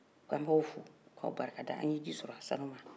ko an bɛ aw fo ka aw barikada an ye ji sɔrɔ a sanuma